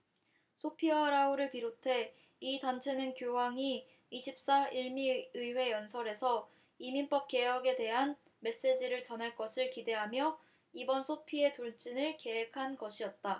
소피와 라울을 비롯해 이 단체는 교황이 이십 사 일 미 의회 연설에서 이민법 개혁에 대한 메시지를 전할 것을 기대하며 이번 소피의 돌진을 계획한 것이었다